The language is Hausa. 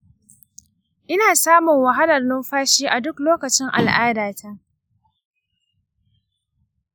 ina samun wahalar numfashi a duk lokacin al’adata.